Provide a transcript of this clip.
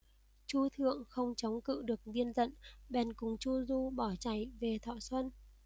chu thượng không chống cự được viên dận bèn cùng chu du bỏ chạy về thọ xuân